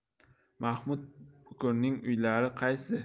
mahmud bukurning uylari qaysi